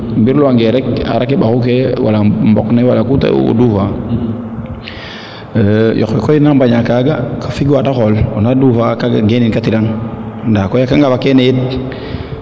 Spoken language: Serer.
o mbirlu wanga rek arake mbaxuke kon mbooq ne wara ku o duufa yoqe koy na mbaña kaaga fig wa te xool ona duufa kaga genin ka tiraan nda koy a kangafa keene it